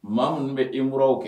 Maa minnu bɛ imuraw kɛ